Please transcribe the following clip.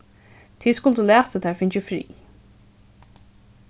tit skuldu latið tær fingið frið